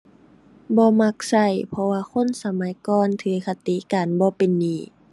บ่มักใช้เพราะว่าคนสมัยก่อนถือคติการบ่เป็นหนี้